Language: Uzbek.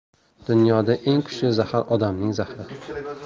dunyoda eng kuchli zahar odamning zahri